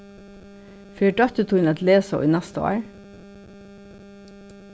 fer dóttir tín at lesa í næsta ár